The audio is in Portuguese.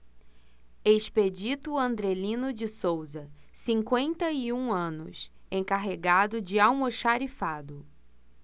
expedito andrelino de souza cinquenta e um anos encarregado de almoxarifado